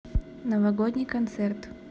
новогодний концерт